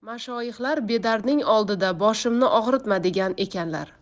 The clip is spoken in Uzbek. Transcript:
mashoyixlar bedardning oldida boshimni og'ritma degan ekanlar